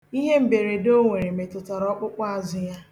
Ihe mberede o nwere metụtara ọkpụkpụazụ ya.